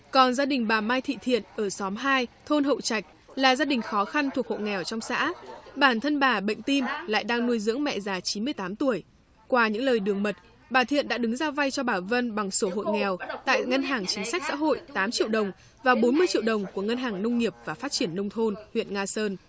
còn gia đình bà mai thị thiện ở xóm hai thôn hậu trạch là gia đình khó khăn thuộc hộ nghèo trong xã bản thân bà bệnh tim lại đang nuôi dưỡng mẹ già chín mươi tám tuổi qua những lời đường mật bà thiện đã đứng ra vay cho bà vân bằng sổ hộ nghèo tại ngân hàng chính sách xã hội tám triệu đồng và bốn mươi triệu đồng của ngân hàng nông nghiệp và phát triển nông thôn huyện nga sơn